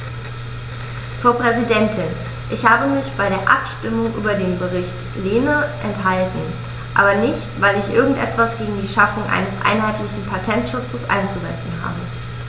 Frau Präsidentin, ich habe mich bei der Abstimmung über den Bericht Lehne enthalten, aber nicht, weil ich irgend etwas gegen die Schaffung eines einheitlichen Patentschutzes einzuwenden habe.